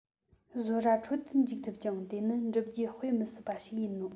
གཟོད ར འཕྲོད དུ འཇུག ཐུབ ཀྱང དེ ནི འགྲུབ རྒྱུ དཔེ མི སྲིད པ ཞིག ཡིན ནོ